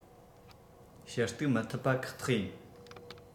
ཞུ གཏུག མི ཐུབ པ ཁག ཐེག ཡིན